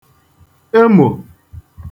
emò